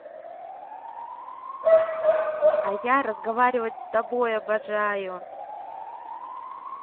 а я разговаривать с тобой обожаю